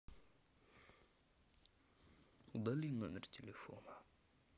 удали номер телефона